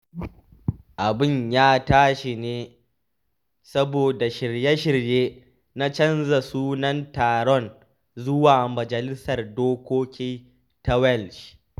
Abin ya tashi ne saboda shirye-shirye na canza sunan taron zuwa Majalisar Dokoki ta Welsh.